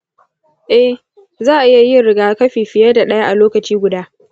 e, za'a iya yin rigakafi fiye da ɗaya a lokaci guda